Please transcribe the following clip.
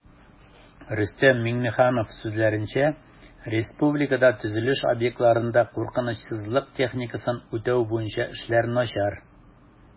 Рөстәм Миңнеханов сүзләренчә, республикада төзелеш объектларында куркынычсызлык техникасын үтәү буенча эшләр начар